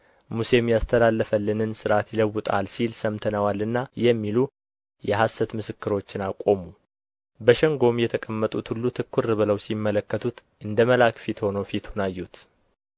ሙሴም ያስተላለፈልንን ሥርዓት ይለውጣል ሲል ሰምተነዋልና የሚሉ የሐሰት ምስክሮችን አቆሙ በሸንጎም የተቀመጡት ሁሉ ትኵር ብለው ሲመለከቱት እንደ መልአክ ፊት ሆኖ ፊቱን አዩት